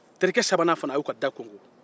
terikɛ sabanan fana a y'o ka da kɔkɔ